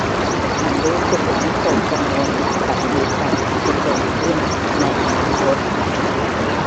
ฉันรู้สึกวิตกกังวลกับเหตุการณ์ที่จะเกิดขึ้นในอนาคต